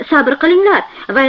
sabr qilinglar